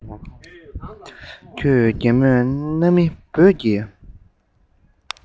ཅི ཟེར ཁྱོད རྒན མོས གནའ མི བོད ཀྱི